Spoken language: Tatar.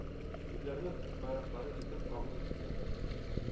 Үзләренең байраклары итеп кабул иттеләр.